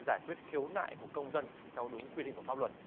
giải quyết khiếu nại của công dân theo đúng quy định của pháp luật